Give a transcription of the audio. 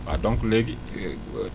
waaw donc léegi